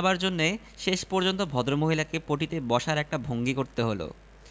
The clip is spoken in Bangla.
ব্যাখ্যার জন্যে আবার শিশুদের কাছে ফিরে যাই আমার ধারণা এবং বদ্ধমূল বিশ্বাস